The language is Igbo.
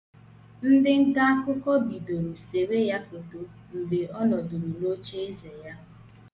Ndị ntaakụkọ bidoro sewe ya foto mgbe ọ nọdụrụ n'ocheeze ya.